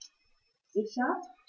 Sicher.